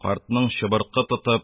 Картның чыбыркы тотып,